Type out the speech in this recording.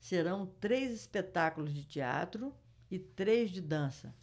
serão três espetáculos de teatro e três de dança